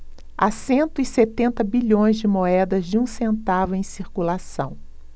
há cento e setenta bilhões de moedas de um centavo em circulação